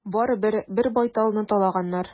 Барыбер, бер байталны талаганнар.